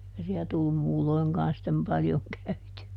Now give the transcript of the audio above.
eikä siellä tullut muulloinkaan sitten paljon käytyä